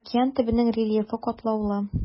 Океан төбенең рельефы катлаулы.